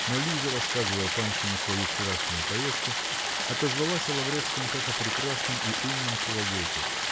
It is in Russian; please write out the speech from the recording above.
но Лиза, рассказывая Паншину свою вчерашнюю поездку, отозвалась о Лаврецком как о прекрасном и умном человеке